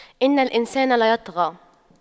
إِنَّ الإِنسَانَ لَيَطغَى